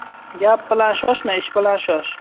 gap bilan shoshma ish bilan shosh